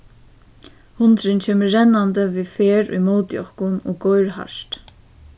hundurin kemur rennandi við ferð ímóti okkum og goyr hart